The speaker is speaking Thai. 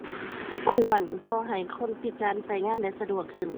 ควร เพราะให้คนพิการใช้งานได้สะดวกขึ้น